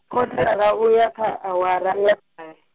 kotara uya kha awara ya -he.